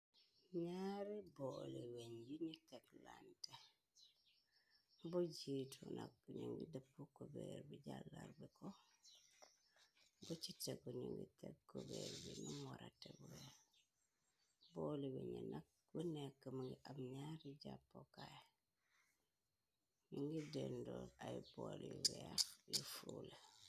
Ñaari boole weñ yi ñu tek lanté bo jiitu nak ñu ngi dëpp cubeer bi jàllar bi ko ba ci teku ñu ngi tek kubeer yi num wara teee boole weñ nak bu nekk mangi ab ñaari jàppokaay ñu ngi dendool ay bool yu weex yu fuule.